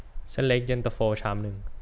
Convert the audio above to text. เส้นเล็กเย็นตาโฟชามนึง